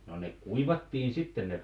no ne kuivattiin sitten ne